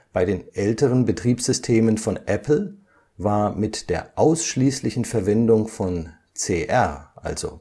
Bei den älteren Betriebssystemen von Apple war mit der ausschließlichen Verwendung von CR